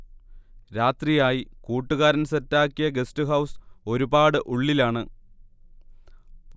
രാത്രിയായി, കൂട്ടുകാരൻ സെറ്റാക്കിയ ഗസ്റ്റ് ഹൌസ് ഒരു പാട് ഉള്ളിലാണ്